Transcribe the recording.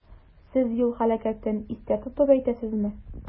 Сез юл һәлакәтен истә тотып әйтәсезме?